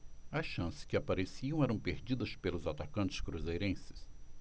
as chances que apareciam eram perdidas pelos atacantes cruzeirenses